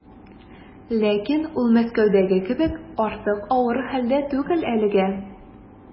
Ләкин ул Мәскәүдәге кебек артык авыр хәлдә түгел әлегә.